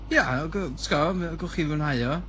Ie gw- ti'n gwbod, mae'n... gewch chi fwynhau o.